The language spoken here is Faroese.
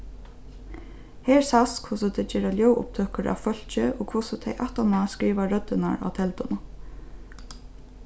her sæst hvussu tey gera ljóðupptøkur av fólki og hvussu tey aftaná skriva røddirnar á telduna